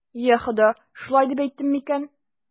Йа Хода, шулай дип әйттем микән?